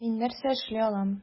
Мин нәрсә эшли алам?